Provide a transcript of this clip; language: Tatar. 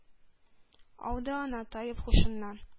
Ауды ана, таеп һушыннан,